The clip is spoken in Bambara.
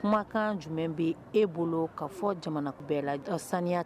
Kumakan jumɛn bɛ e bolo ka fɔ jamana bɛɛ la sani